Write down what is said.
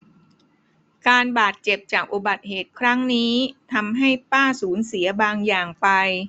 การบาดเจ็บจากอุบัติเหตุครั้งนี้ทำให้ป้าสูญเสียบางอย่างไป